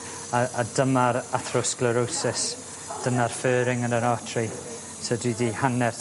a a dyma'r athrosglerosis dyna'r furring yn yr artery. So dwi 'di hanner